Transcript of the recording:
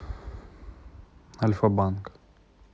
альфа банк